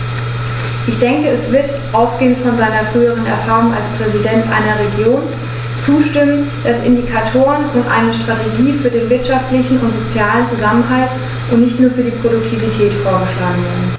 Ich denke, er wird, ausgehend von seiner früheren Erfahrung als Präsident einer Region, zustimmen, dass Indikatoren und eine Strategie für den wirtschaftlichen und sozialen Zusammenhalt und nicht nur für die Produktivität vorgeschlagen werden.